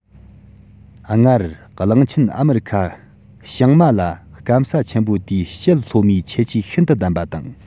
སྔར གླིང ཆེན ཨ མེ རི ཁ བྱང མ ལ སྐམ ས ཆེན པོ དེའི ཕྱེད ལྷོ མའི ཁྱད ཆོས ཤིན ཏུ ལྡན པ དང